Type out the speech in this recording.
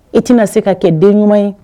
I tina sen ka kɛ den ɲuman ye